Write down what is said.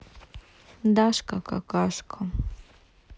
дашка какашка